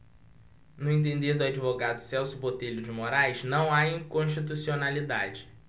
no entender do advogado celso botelho de moraes não há inconstitucionalidade